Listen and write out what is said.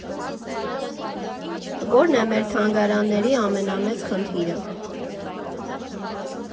Ո՞րն է մեր թանգարանների ամենամեծ խնդիրը։